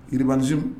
Urbanisme